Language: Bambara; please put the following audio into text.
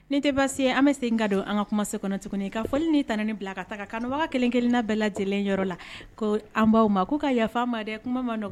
Ni tɛ baasi an bɛ segin ka don an ka kuma se kɔnɔ tuguni ka fɔli ni ta ni bila ka taa kanubaga kelen kelenna bɛɛ lajɛlen yɔrɔ la ko an b'aw ma k'u ka yafama de kuma ma nɔgɔ